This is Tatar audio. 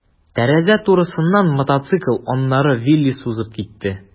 Тәрәзә турысыннан мотоцикл, аннары «Виллис» узып китте.